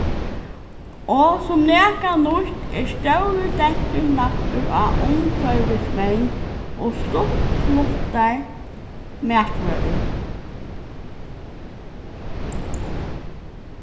og sum nakað nýtt er stórur dentur lagdur á umhvørvisvernd og stutt fluttar matvørur